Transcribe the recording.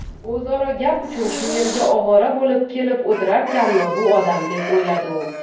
o'zaro gap uchun shu yerga ovora bo'lib kelib o'tirarkanmi bu odam deb o'yladi u